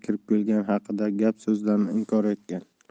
kirib kelgani haqidagi gap so'zlarni inkor etgan